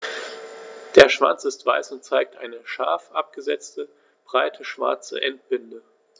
Der Schwanz ist weiß und zeigt eine scharf abgesetzte, breite schwarze Endbinde.